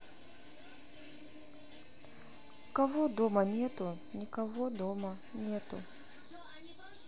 кого дома нету никого дома нету